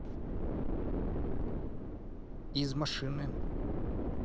из машины